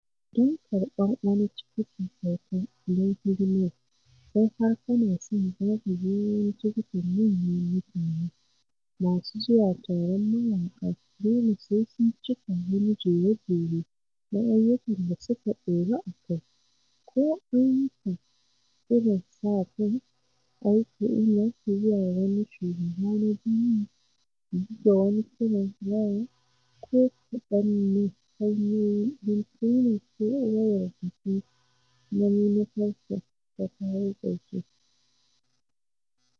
Don karɓan wani tikiti kyauta don hidimar (sai har kana son za ka biya wani tikitin manyan mutane), masu zuwa taron mawaƙa dole sai sun cika wani jere-jere na ayyukan da suka ɗoru a kai, ko "ayyuka" irin sa-kai, aika imel zuwa wani shugaba na duniya, buga wani kiran waya ko kowaɗanne hanyoyi don taimakon wayar da kai na manufarsu ta kawo ƙarshen talauci.